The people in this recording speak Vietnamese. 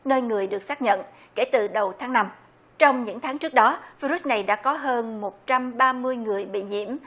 nơi người được xác nhận kể từ đầu tháng năm trong những tháng trước đó vi rút này đã có hơn một trăm ba mươi người bị nhiễm